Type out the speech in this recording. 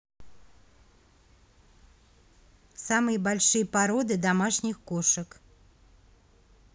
самые большие породы домашних кошек